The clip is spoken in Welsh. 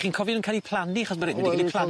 Chi'n cofio nw'n ca'l 'u plannu achos